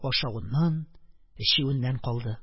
Ашавыннан, эчүеннән калды.